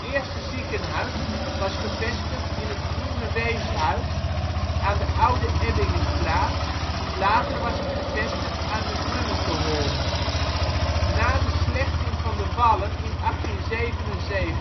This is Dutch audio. eerste ziekenhuis was gevestigd in het Groene Weeshuis aan de Oude Ebbingestraat, later was het gevestigd aan de Munnekeholm. Na de slechting van de wallen in 1877